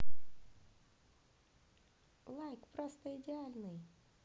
лайк просто идеальный